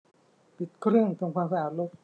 ปิดเครื่องทำความสะอาดรถ